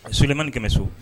A ye solenmani kɛmɛ so